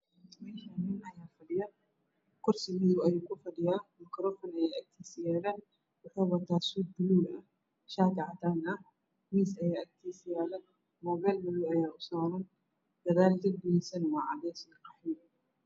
Meshan nin ayaa fadhiyo kursi madoow ayuu kufadhiyaa makaroofan ayaa agtiisa yaalo wax uu wataa suud buluug ah shaati cadaan ah miis ayaa agtiis yaala moobeel madoow ayaa usaaran gadaal darbigiisana waa cadees iyo qaxwi